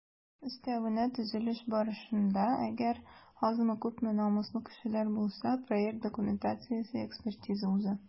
Өстәвенә, төзелеш барышында - әгәр азмы-күпме намуслы кешеләр булса - проект документациясе экспертиза уза.